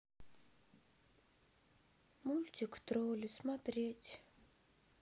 мультик тролли смотреть